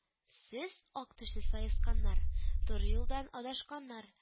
— сез, ак түшле саесканнар, туры юлдан адашканнар